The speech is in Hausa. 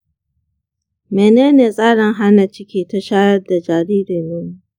menene tsarin hana ciki ta shayar da jariri nono?